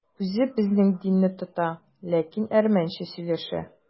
Үзе безнең динне тота, ләкин әрмәнчә сөйләшә.